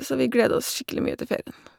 Så vi gleder oss skikkelig mye til ferien.